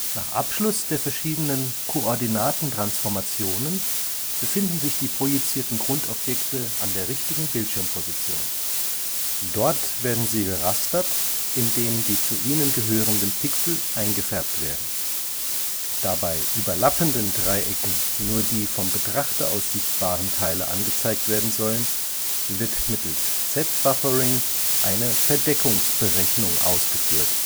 Nach Abschluss der verschiedenen Koordinatentransformationen befinden sich die projizierten Grundobjekte an der richtigen Bildschirmposition. Dort werden sie gerastert, indem die zu ihnen gehörenden Pixel eingefärbt werden. Da bei überlappenden Dreiecken nur die vom Betrachter aus sichtbaren Teile angezeigt werden sollen, wird mittels Z-Buffering eine Verdeckungsberechnung ausgeführt